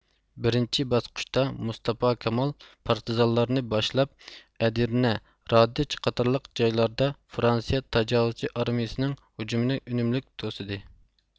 بىرىنچى باسقۇچتا مۇستاپا كامال پارتىزانلارنى باشلاپ ئەدىرنە رادېچ قاتارلىق جايلاردا فرانسىيە تاجاۋۇزچى ئارمىيىسىنىڭ ھۇجۇمىنى ئۈنۈملۈك توسىدى